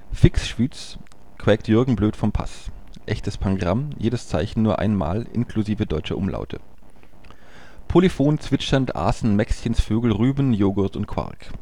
Fix Schwyz! ", quäkt Jürgen blöd vom Paß. (echtes Pangramm, jedes Zeichen nur einmal, inklusive Deutsche Umlaute) Polyphon zwitschernd aßen Mäxchens Vögel Rüben, Joghurt und Quark